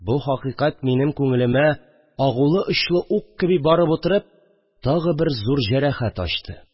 Бу хакыйкать минем күңелемә агулы очлы ук кеби барып утырып, тагы бер зур җәрәхәт ачты